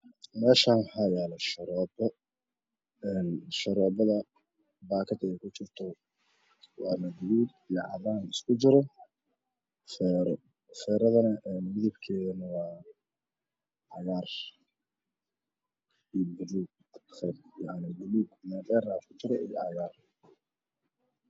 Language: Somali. Meeshaan waxaa yaalo sharoobo een sharoobada baakad ayey ku jirtaa waana guduud iyo cadaan isku jiro sharoobada midadkeedana waa cagaar buluug yacni iyo cagaar